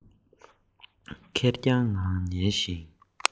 ཁེར རྐྱང ངང ཉལ ཞིང